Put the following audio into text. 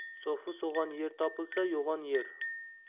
so'fi so'g'on yer topilsa yo'g'on yer